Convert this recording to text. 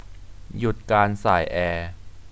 หยุดการส่ายแอร์